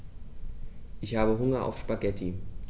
Ich habe Hunger auf Spaghetti.